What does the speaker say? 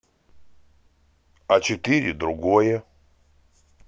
а четыре другое